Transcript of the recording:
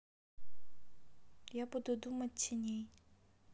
я буду думать теней